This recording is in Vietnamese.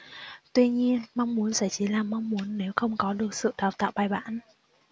tuy nhiên mong muốn sẽ chỉ là mong muốn nếu không có được sự đào tạo bài bản